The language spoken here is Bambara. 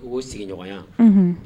O sigiɲɔgɔnya, unhun.